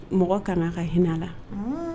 Mɔgɔ kaŋa ka hin'a la unhun